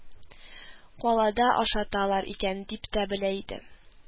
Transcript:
Калада ашаталар икән дип тә белә иде